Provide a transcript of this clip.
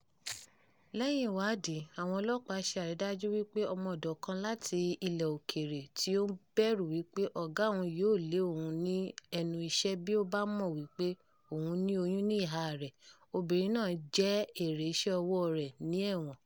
Lẹ́yìn ìwádìí, àwọn ọlọ́pàá ṣe àrídájú wípé ọmọ-ọ̀dọ̀ kan láti ilẹ̀ òkèèrè tí ó ń bẹ̀rù wípé ọ̀gá òun yóò lé òun ni ẹnu iṣẹ́ bí ó bá mọ̀ wípé òun ní oyún ni ìyáa rẹ̀. Obìrin náà jẹ èrè iṣẹ́ ọwọ́ọ rẹ̀ ní ẹ̀wọ̀n.